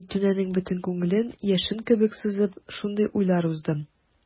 Зәйтүнәнең бөтен күңелен яшен кебек сызып шундый уйлар узды.